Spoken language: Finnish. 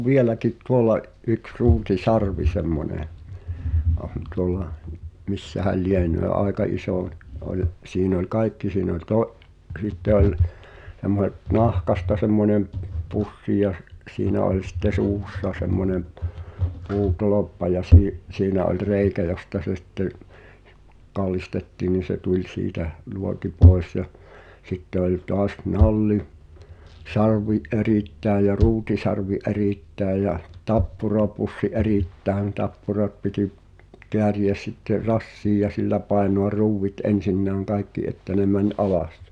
minulla on vieläkin tuolla yksi ruutisarvi semmoinen on tuolla missähän lienee aika iso oli siinä oli kaikki siinä oli - sitten oli semmoiset nahkasta semmoinen pussi ja - siinä oli sitten suussa semmoinen puutolppa ja - siinä oli reikä josta se sitten kallistettiin niin se tuli siitä luoti pois ja sitten oli taas - nallisarvi erittäin ja ruutisarvi erittäin ja tappurapussi erittäin tappurat piti kääriä sitten rassiin ja sillä painaa ruuvit ensinnäkin kaikki että ne meni alas